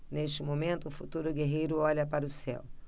neste momento o futuro guerreiro olha para o céu